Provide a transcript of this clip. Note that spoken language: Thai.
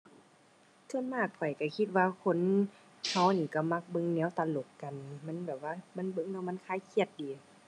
ส่วนมากข้อยก็คิดว่าคนก็นี่ก็มักเบิ่งแนวตลกกัน มันแบบว่า มันเบิ่งแล้วมันคลายเครียดดี